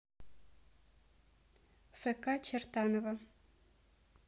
фк чертаново